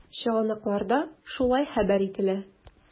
Чыганакларда шулай хәбәр ителә.